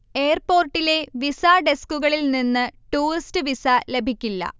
എയർപോര്ട്ടിലെ visa ഡെസ്കുകളിൽ നിന്ന് tourist visa ലഭിക്കില്ല